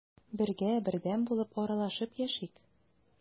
Бергә, бердәм булып аралашып яшик.